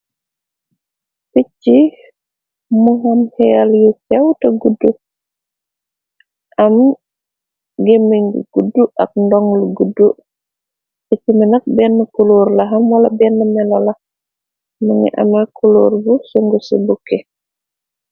Picchi mu xam xeal yu cawta gudd am gémengi gudd ak ndoŋ lu gudd te ci minax benn kuloor laxam wala benn melolax mangi ame kuloor bu sungu ci bukke.